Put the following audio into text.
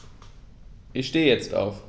Ich stehe jetzt auf.